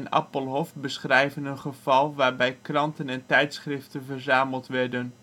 Appelhof beschrijven een geval waarbij kranten en tijdschriften verzameld werden